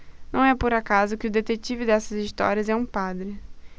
não é por acaso que o detetive dessas histórias é um padre